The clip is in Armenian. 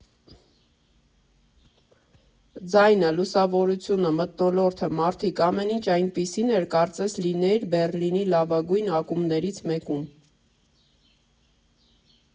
Ձայնը, լուսավորությունը, մթնոլորտը, մարդիկ՝ ամեն ինչ այնպիսին էր, կարծես լինեիր Բեռլինի լավագույն ակումբներից մեկում։